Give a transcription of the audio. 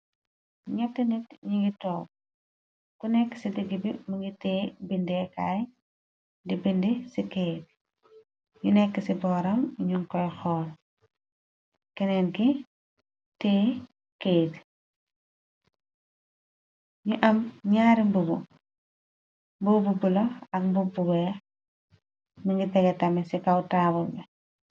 Nyetti nit ñi ngi took ku nekk ci digg bi mi ngi té bindeekaay di bindi ci kayti yu nekk ci booram yiñu koy xool kenneen gi té kayti ñu am ñaari mbubu mboobu bu la ak mbopbu weex mi ngi tege tami ci kaw taawul bi.